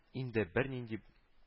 Инде бернинди